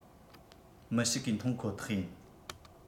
མི ཞིག གིས མཐོང ཁོ ཐག ཡིན